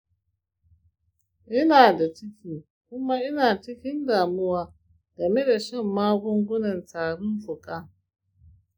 ina da ciki kuma ina cikin damuwa game da shan magungunan tarin fuka.